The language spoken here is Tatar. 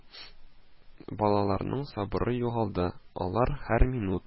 Балаларның сабыры югалды, алар һәр минут: